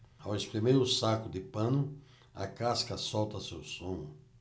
ao espremer o saco de pano a casca solta seu sumo